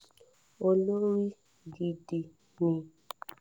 Olórí gidi ni.